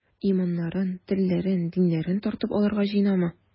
Иманнарын, телләрен, диннәрен тартып алырга җыенамы?